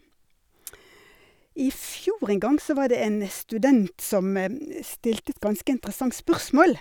I fjor en gang så var det en student som stilte et ganske interessant spørsmål.